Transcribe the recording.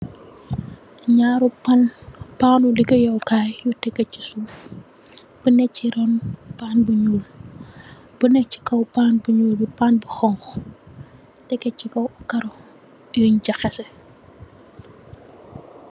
Nyaaru pan, paan nyu liggayekaay, nyu tegge si suuf, bune si roon, pan bu nyuul, bune si kaw pan bu nyuul bi pan bu xonxu, tegge ci kaw karo nyun jaxase.